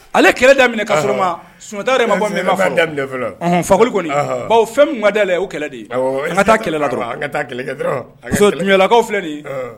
Ale kɛlɛ da minɛ ka sunjatata yɛrɛ ma fa baw fɛn da la kɛlɛ de ka taa kɛlɛ ka kɛlɛ ɲɔlakaw filɛ de